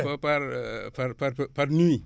par par par par par nuit